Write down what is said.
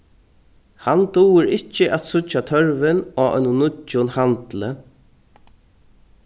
hann dugir ikki at síggja tørvin á einum nýggjum handli